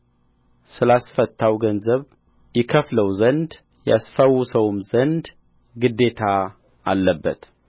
ስላስፈታው ገንዘብ ይከፍለው ዘንድ ያስፈውሰውም ዘንድ ግዴታ አለበት